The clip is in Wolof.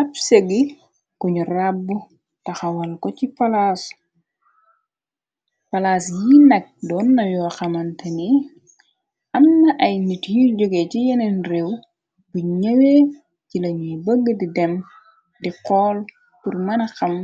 Ab segi kuñu ràbb taxawal ko ci palaas yi nag doon na yoo xamante ni am na ay nit yuy jóge ci yeneen réew buñ ñëwe ci lañuy bëgg di dem di xool pur mëna xam